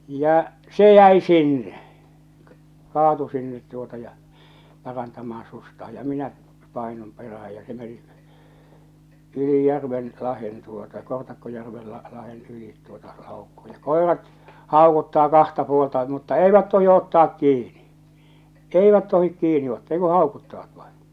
ja se jäi sinne kaatui sinne tuota ja parantamaan sukseaan ja minä painun perään ja se meni yli järven lahden tuota Kortakkojärvelle - lahden yli tuota laukkasi ja koirat haukuttaa kahta puolta mutta eivät tohdi ottaa kiinni eivät tohdi kiinni ottaa ei kuin haukuttavat vain